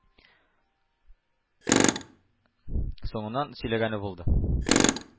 Соңыннан сөйләгәне булды: